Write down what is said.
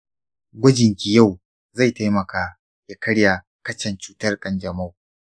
gwajinki yau zai taimaka ya karya kachan cutar ƙanjamau.